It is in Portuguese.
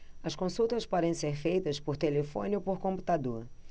as consultas podem ser feitas por telefone ou por computador